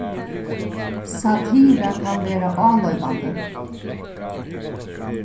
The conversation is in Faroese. satira kann vera áloypandi